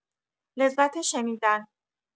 لذت شنیدن